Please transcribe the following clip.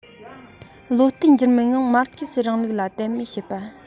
བློ བརྟན འགྱུར མེད ངང མར ཁེ སིའི རིང ལུགས ལ དད མོས བྱེད པ